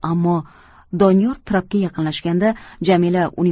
ammo doniyor trapga yaqinlashganda jamila uning